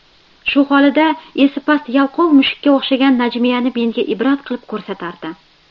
shu holida esi past yalqov mushukka o'xshagan najmiyani menga ibrat qilib ko'rsatardi